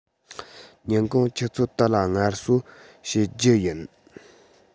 ཉིན གུང ཆུ ཚོད དུ ལ ངལ གསོ བྱེད རྒྱུ ཡིན